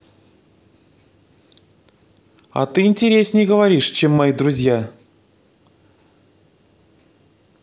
а ты интереснее говоришь чем мои друзья